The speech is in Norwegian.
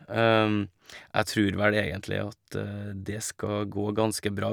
Jeg trur vel egentlig at det skal gå ganske bra.